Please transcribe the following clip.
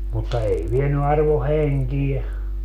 mutta ei vienyt arvon henkeä